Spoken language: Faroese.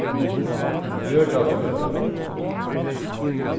fjørdalsgøta